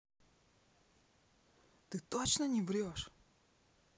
ты точно не врешь